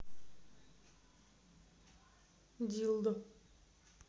gildo